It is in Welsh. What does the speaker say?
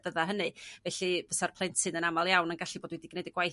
fydda' hynny. Felly fysa'r plentyn yn amal iawn yn gallu bod wedi g'neud y gwaith